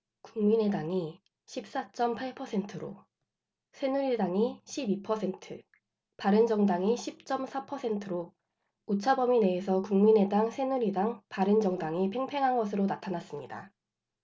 국민의당이 십 사 쩜 팔 퍼센트로 새누리당이 십 이 퍼센트 바른정당이 십 쩜 사 퍼센트로 오차범위 내에서 국민의당 새누리당 바른정당이 팽팽한 것으로 나타났습니다